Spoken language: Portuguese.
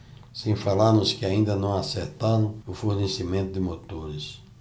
sem falar nos que ainda não acertaram o fornecimento de motores